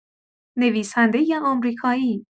نویسنده آمریکایی